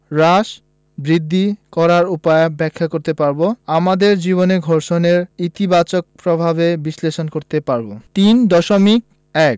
হ্রাস বৃদ্ধি করার উপায় ব্যাখ্যা করতে পারব আমাদের জীবনে ঘর্ষণের ইতিবাচক প্রভাব বিশ্লেষণ করতে পারব ৩.১